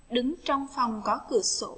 đứng trong phòng có cửa sổ